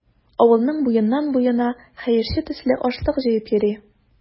Авылның буеннан-буена хәерче төсле ашлык җыеп йөри.